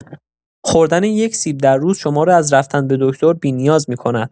خوردن ۱ سیب در روز شما را از رفتن به دکتر بی‌نیاز می‌کند.